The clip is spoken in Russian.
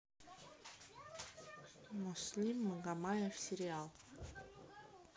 муслим магомаев сериал